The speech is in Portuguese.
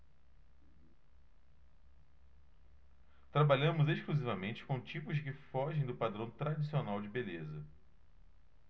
trabalhamos exclusivamente com tipos que fogem do padrão tradicional de beleza